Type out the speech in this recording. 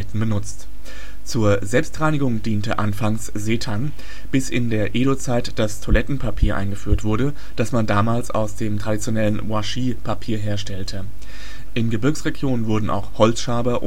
benutzt. Zur Selbstreinigung diente anfangs Seetang, bis in der Edo-Zeit das Toilettenpapier eingeführt wurde, das man damals aus dem traditionellen Washi-Papier herstellte. In Gebirgsregionen wurden auch Holzschaber